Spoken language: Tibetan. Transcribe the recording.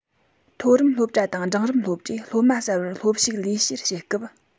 མཐོ རིམ སློབ གྲྭ དང འབྲིང རིམ སློབ གྲྭས སློབ མ གསར བར སློབ ཞུགས ལུས བཤེར བྱེད སྐབས